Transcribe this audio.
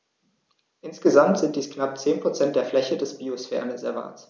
Insgesamt sind dies knapp 10 % der Fläche des Biosphärenreservates.